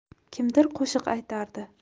kimdir qo'shiq aytardi